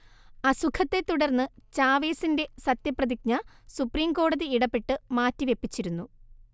അസുഖത്തെ തുടർന്ന് ചാവെസിന്റെ സത്യപ്രതിജ്ഞ സുപ്രീം കോടതി ഇടപെട്ട് മാറ്റിവെപ്പിച്ചിരുന്നു